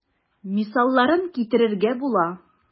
Мисалларын китерергә була.